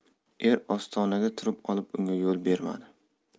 er ostonaga turib olib unga yo'l bermadi